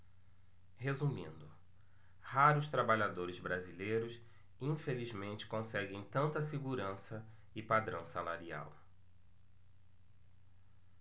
resumindo raros trabalhadores brasileiros infelizmente conseguem tanta segurança e padrão salarial